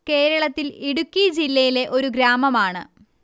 കേരളത്തിൽ ഇടുക്കി ജില്ലയിലെ ഒരു ഗ്രാമമാണ്